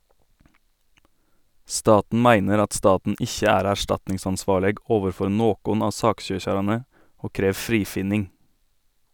Staten meiner at staten ikkje er erstatningsansvarleg overfor nokon av saksøkjarane og krev frifinning.